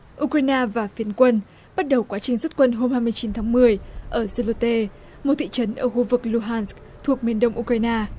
u cờ rai na và phiến quân bắt đầu quá trình rút quân hôm hai mươi chín tháng mười ở giê lê tê một thị trấn ở khu vực lu han thuộc miền đông u cờ rai na